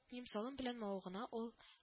Кием-салым белән мавыгуна ул